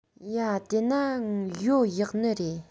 ཡ དེས ན ཡོ ཡག ནི རེད